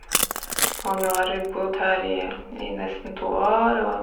Og nå har vi bodd her i i nesten to år, og...